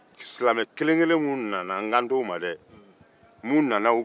silame kelen-kelen minnu nana n kan tɛ olu ma dɛ